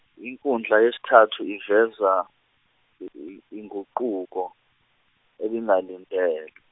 inkundla yesithathu iveza i- i- inguquko ebingalindelwe.